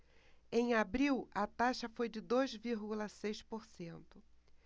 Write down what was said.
em abril a taxa foi de dois vírgula seis por cento